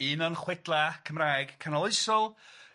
Un o'n chwedla Cymraeg canoloesol.